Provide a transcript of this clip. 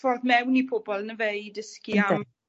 ffordd mewn i pobol on' yfe i dysgu am... Yndi.